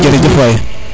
way jerejef waay